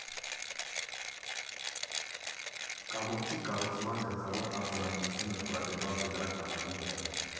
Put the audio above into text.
Կամուրջի կառուցման գլխավոր արձանագրությունը փորագրված է նրա կամարի վրա։